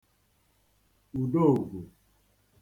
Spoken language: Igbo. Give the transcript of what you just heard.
ùdeōōgwù